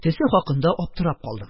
Төсе хакында аптырап калдым.